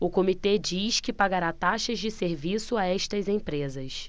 o comitê diz que pagará taxas de serviço a estas empresas